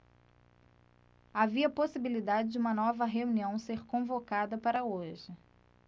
havia possibilidade de uma nova reunião ser convocada para hoje